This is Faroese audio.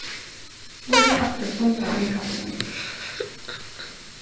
vís aftur fundarinnkalling